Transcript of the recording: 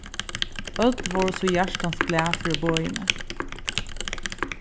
øll vóru so hjartans glað fyri boðini